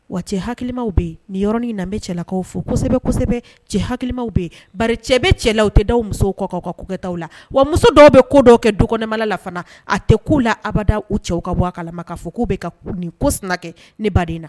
Wa cɛ haki bɛ ninɔrɔnin na bɛ cɛlakaw fo kosɛbɛ kosɛbɛ cɛ ha bɛ ba cɛ bɛ cɛ tɛda musow kɔkaw kata la wa muso dɔw bɛ ko dɔw kɛɛma la fana a tɛ k'u la abada u cɛw ka bɔ a kalama ka fɔ k' bɛ ka ku nin ko sina kɛ ni baden na